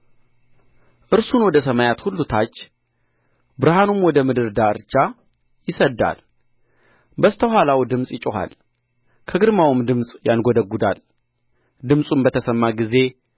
እርሱን ወደ ሰማያት ሁሉ ታች ብርሃኑንም ወደ ምድር ዳርቻ ይሰድዳል በስተ ኋላው ድምፅ ይጮኻል በግርማውም ድምፅ ያንጐደጕዳል ድምፁም በተሰማ ጊዜ